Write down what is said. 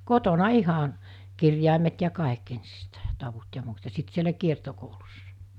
kotona ihan kirjaimet ja kaikki ensiksi ja tavut ja muut ja sitten siellä kiertokoulussa